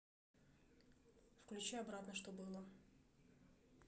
включи обратно что было